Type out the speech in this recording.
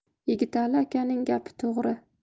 yigitali akaning gapi to'g'ri